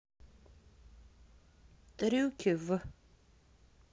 трюки в